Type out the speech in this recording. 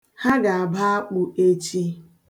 Ha ga-aba akpụ echi.